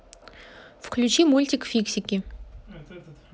включи мультик фиксики